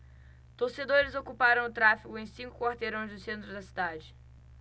torcedores ocuparam o tráfego em cinco quarteirões do centro da cidade